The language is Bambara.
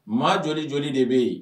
Maa joli joli de bɛ yen